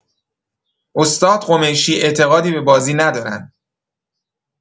استاد قمیشی اعتقادی به بازی ندارن!